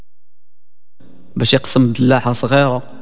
بس اقسم بالله